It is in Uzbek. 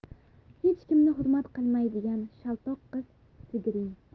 hech kimni hurmat qilmaydigan shaltoq qiz sigiring